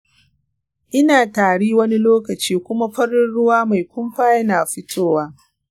ina tari wani lokaci kuma farin ruwa mai kumfa yana fitowa.